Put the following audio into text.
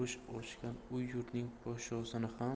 ochgan u yurtning podshosini ham